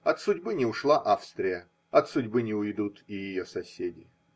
От судьбы не ушла Австрия, от судьбы не уйдут и ее соседи.